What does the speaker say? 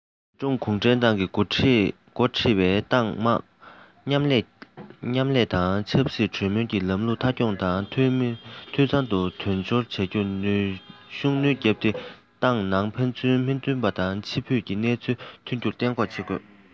ང ཚོས ཀྲུང གོ གུང ཁྲན ཏང གིས འགོ ཁྲིད པའི ཏང མང མཉམ ལས དང ཆབ སྲིད གྲོས མོལ གྱི ལམ ལུགས མཐའ འཁྱོངས དང འཐུས ཚང དུ མཐུན སྦྱོར བྱ རྒྱུར ཤུགས སྣོན བརྒྱབ སྟེ ཏང ནང ཕན ཚུན མི མཐུན པ དང ཕྱིར འབུད ཀྱི སྣང ཚུལ ཐོན རྒྱུ གཏན འགོག བྱེད དགོས